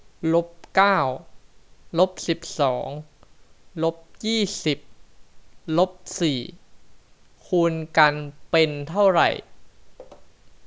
ลบเก้าลบสิบสองลบยี่สิบลบสี่คูณกันเป็นเท่าไร